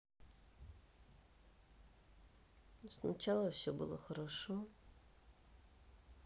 сначала было все хорошо